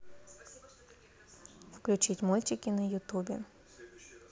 включить мультики на ютубе